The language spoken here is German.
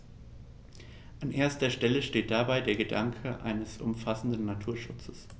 An erster Stelle steht dabei der Gedanke eines umfassenden Naturschutzes.